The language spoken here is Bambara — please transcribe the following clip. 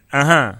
Unhhun